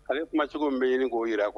Ale kumacogo be ɲini ko yira.